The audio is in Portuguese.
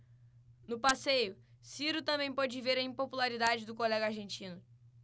no passeio ciro também pôde ver a impopularidade do colega argentino